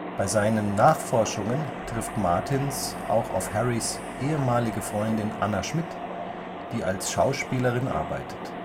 Bei seinen Nachforschungen trifft Martins auch auf Harrys ehemalige Freundin Anna Schmidt, die als Schauspielerin arbeitet